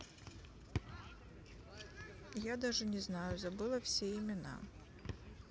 я даже не знаю забыла все имена